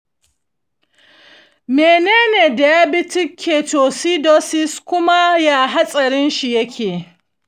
mene ne diabetic ketoacidosis kuma ya hatsarin shi yake?